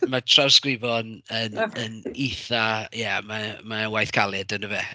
Ma' trawsgrifo'n yn... ych! ...yn yn itha, ie ma' e ma' e'n waith caled yn dyfe.